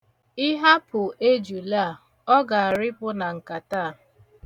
Ị hapụ ejula a, ọ ga-arịpụ na nkata a.